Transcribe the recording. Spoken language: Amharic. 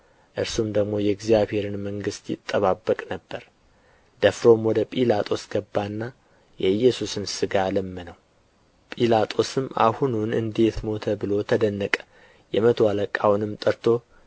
እርሱም ደግሞ የእግዚአብሔርን መንግሥት ይጠባበቅ ነበር ደፍሮም ወደ ጲላጦስ ገባና የኢየሱስን ሥጋ ለመነው ጲላጦስም አሁኑን እንዴት ሞተ ብሎ ተደነቀ የመቶ አለቃውንም ጠርቶ